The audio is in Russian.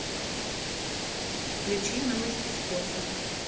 включи новости спорта